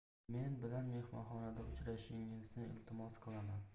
men bilan mehmonxonada uchrashingizni iltimos qilaman